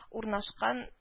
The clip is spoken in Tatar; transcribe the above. Урнашкан